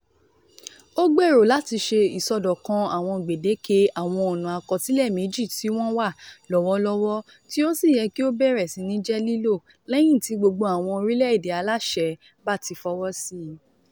Ó gbèrò láti ṣe ìṣọdọ̀kan àwọn gbèdéke àwọn ọ̀nà àkọsílẹ̀ méjì tí wọ́n wà lọ́wọ́lọ́wọ́ tí ó sì yẹ kí ó bẹ̀rẹ̀ sí ní jẹ́ lílò lẹ́yìn tí gbogbo àwọn orílẹ̀-èdè aláṣẹ bá ti fọwọ́ síi.